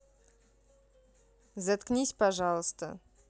заткнись пожалуйста